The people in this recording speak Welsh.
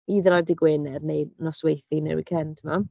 Either ar dydd Gwener neu nosweithiau, neu'r weekend timod?